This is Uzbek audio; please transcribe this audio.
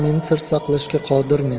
men sir saqlashga qodirmen